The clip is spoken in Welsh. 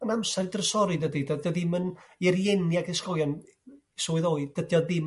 Ma'n amser drysori dydi? D'o'? Dydi o ddim yn i rieni ag ysgolion sylweddoli dydi o ddim